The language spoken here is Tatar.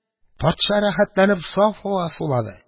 Патша рәхәтләнеп саф һава сулады.